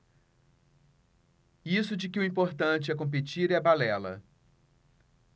isso de que o importante é competir é balela